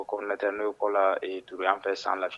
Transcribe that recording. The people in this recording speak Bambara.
O ne tɛ n'o kɔ duuru an fɛ san